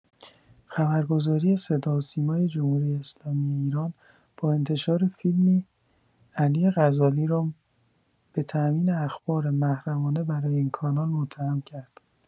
خبرگزاری صداوسیمای جمهوری‌اسلامی ایران با انتشار فیلمی «علی غزالی» را به تامین اخبار محرمانه برای این کانال متهم کرد.